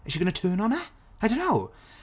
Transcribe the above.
Is she going to turn on her? I don't know.